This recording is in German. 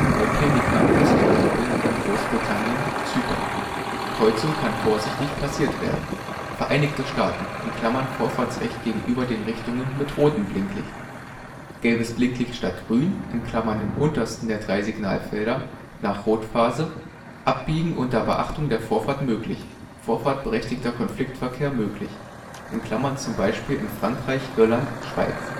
bei ‚ Pelican ‘- Fußgängerampeln in Großbritannien, Zypern) Kreuzung kann vorsichtig passiert werden: Vereinigte Staaten (Vorfahrtsrecht gegenüber den Richtungen mit rotem Blinklicht) Gelbes Blinklicht statt Grün (im untersten der drei Signalfelder) nach Rotphase: Abbiegen unter Beachtung der Vorfahrt möglich; vorfahrtberechtigter Konfliktverkehr möglich (z. B. in Frankreich, Irland, Schweiz